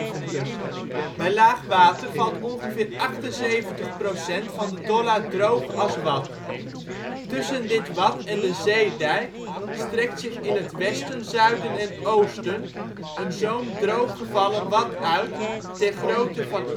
Bij laagwater valt ongeveer 78 % van de Dollard droog als wad. Tussen dit wad en de zeedijk strekt zich in het westen, zuiden en oosten een zoom drooggevallen wad uit ter grootte van